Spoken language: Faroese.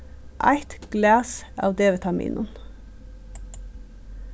eitt glas av d-vitaminum